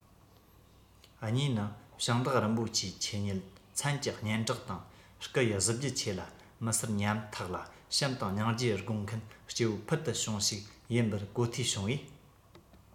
གཉིས ནི ཞིང བདག རིན པོ ཆེ ཁྱེད ཉིད མཚན གྱི སྙན གྲགས དང སྐུ ཡི གཟི བརྗིད ཆེ ལ མི སེར ཉམ ཐག ལ བྱམས དང སྙིང རྗེ དགོངས མཁན སྐྱེ བོ ཕུལ དུ བྱུང ཞིག ཡིན པར གོ ཐོས བྱུང བས